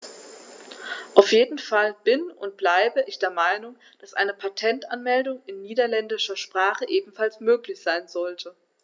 Auf jeden Fall bin - und bleibe - ich der Meinung, dass eine Patentanmeldung in niederländischer Sprache ebenfalls möglich sein sollte.